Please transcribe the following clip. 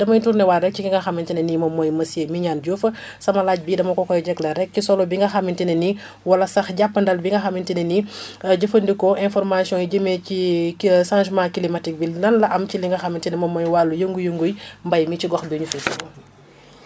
damay tourné waat rek ci ki nga xamante ne nii moom mooy monsieur Mignane diouf sama laaj bi dama ko ko koy jagleel rek ci solo bi nga xamante ne nii wala sax jàppandal bi nga xamante ne nii jëfandikoo information yi jëmee ci changement climatique bi nan la am ci li nga xamante ne moom mooy wàllu yëngu-yënguy mbéy mi ci gox bi ñu fi